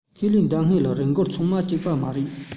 ཁས ལེན ཟླ སྔོན མའི རིན གོང ཚང མ གཅིག པ མ རེད